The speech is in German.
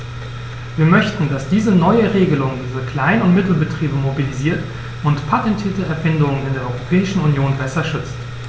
Wir möchten, dass diese neue Regelung diese Klein- und Mittelbetriebe mobilisiert und patentierte Erfindungen in der Europäischen Union besser schützt.